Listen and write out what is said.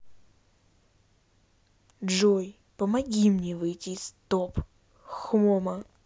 джой помоги мне выйти из стоп хмао